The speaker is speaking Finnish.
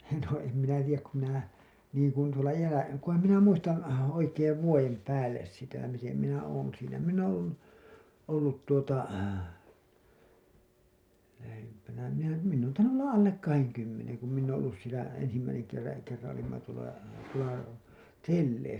no en minä tiedä kun minä liikuin tuolla jäällä kunhan minä muistan oikein vuoden päälle sitä miten minä olen siinä minä olen ollut ollut tuota lähempänä minä minä olen tainnut olla alle kahden kymmenen kun minä olen ollut siellä ensimmäisen - kerran olimme tuolla tuolla telleissä